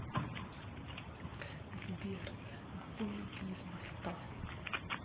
сбер выйди из моста